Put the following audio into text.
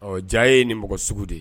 Ɔ diya ye nin mɔgɔ sugu de ye